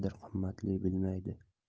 yigitlar qadr qimmatli bilmaydi